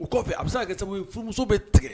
O kɔfɛ a bɛ se ka kɛ sababu ye furumuso bɛ tigɛ.